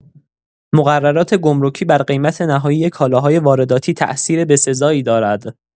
مقررات گمرکی بر قیمت نهایی کالاهای وارداتی تاثیر بسزایی دارد.